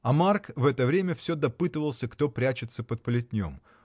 А Марк в это время всё допытывался, кто прячется под плетнем.